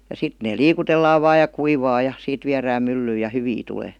ja sitten ne liikutellaan vain ja kuivaa ja siitä viedään myllyyn ja hyvin tulee